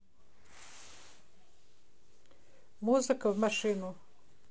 музыка в машину